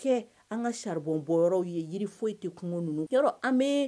Kɛ an ka charbon bɔ yɔrɔw ye , yiri foyi te kunun ninnu Yɔrɔ an be